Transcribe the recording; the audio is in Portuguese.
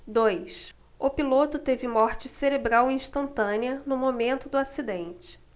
dois o piloto teve morte cerebral instantânea no momento do acidente